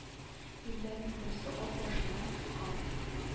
Ирләрнең берсе ат башыннан тоткан